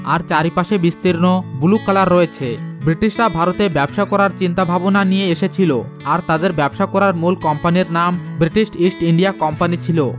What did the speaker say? আর চারি পাশে বিস্তীর্ণ ব্লু কালার রয়েছে ব্রিটিশরা ভারতে ব্যবসা করা চিন্তা ভাবনা নিয়ে এসেছিল আর তাদের ব্যবসা করার মূল কোম্পানির নাম ব্রিটিশ ইস্ট ইন্ডিয়া কোম্পানি ছিল